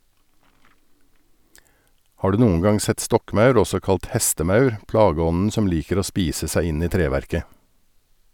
Har du noen gang sett stokkmaur, også kalt hestemaur, plageånden som liker å spise seg inn i treverket?